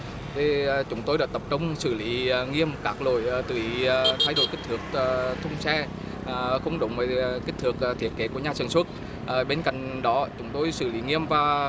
thì chúng tôi đã tập trung xử lý nghiêm các lỗi ờ tùy ý ờ thay đổi kích thước thùng xe không đúng với kích thước thiết kế của nhà sản xuất ở bên cạnh đó chúng tôi xử lý nghiêm và